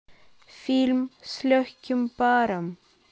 фильм с легким паром